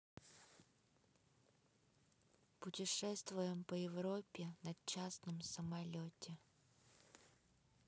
путешествуем по европе на частном самолете